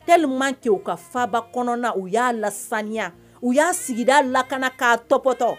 Terieli man cɛ u ka faba kɔnɔna u y'a lasanya u y'a sigida lakana' tɔptɔ